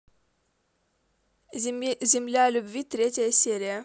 земля любви третья серия